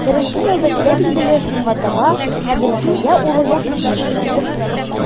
Беренче нәүбәттә, билгеле, Шомгатыга, Габделхәйгә улы Якубны җибәрде.